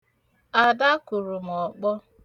Ada kụrụ m ọkpọ.